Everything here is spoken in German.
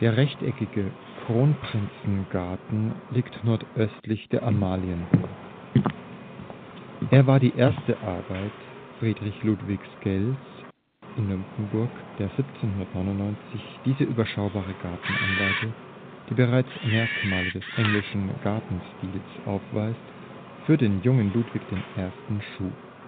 rechteckige Kronprinzengarten (Ludwigsgarten) liegt nordöstlich der Amalienburg. Er war die erste Arbeit Friedrich Ludwig Sckells in Nymphenburg, der 1799 diese überschaubare Gartenanlage, die bereits Merkmale des englischen Gartenstils aufweist, für den jungen Ludwig I. schuf